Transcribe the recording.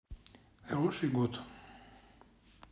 хороший год